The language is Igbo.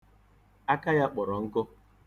Aka ya kpọrọ nkụ.